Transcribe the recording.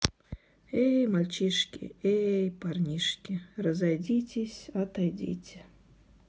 эй мальчишки эй парнишки разойдитесь отойдите